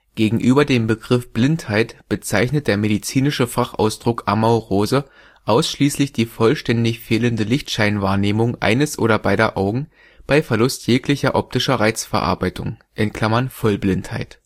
Gegenüber dem Begriff " Blindheit " bezeichnet der medizinische Fachausdruck Amaurose ausschließlich die vollständig fehlende Lichtscheinwahrnehmung eines oder beider Augen bei Verlust jeglicher optischer Reizverarbeitung (Vollblindheit